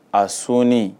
A sɔnnen